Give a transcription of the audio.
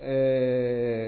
Ɛɛ